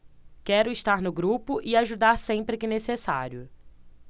quero estar no grupo e ajudar sempre que necessário